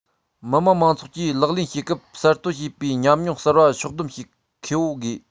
མི དམངས མང ཚོགས ཀྱིས ལག ལེན བྱེད སྐབས གསར གཏོད བྱས པའི ཉམས མྱོང གསར པ ཕྱོགས བསྡོམས བྱེད མཁས པོ དགོས